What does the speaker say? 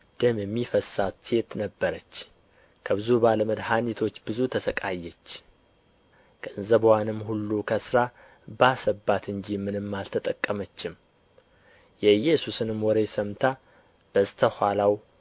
ደም የሚፈሳት ሴት ነበረች ከብዙ ባለ መድኃኒቶችም ብዙ ተሠቃየች ገንዘብዋንም ሁሉ ከስራ ባሰባት እንጂ ምንም አልተጠቀመችም የኢየሱስንም ወሬ ሰምታ በስተኋላው